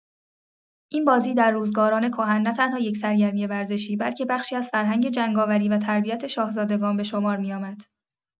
این بازی در روزگاران کهن نه‌تنها یک سرگرمی ورزشی، بلکه بخشی از فرهنگ جنگاوری و تربیت شاهزادگان به شمار می‌آمد.